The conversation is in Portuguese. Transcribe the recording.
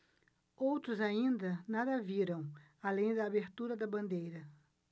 outros ainda nada viram além da abertura da bandeira